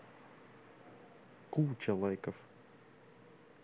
куча лайков